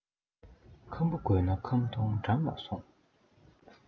ཁམ བུ དགོས ན ཁམ སྡོང འགྲམ ལ སོང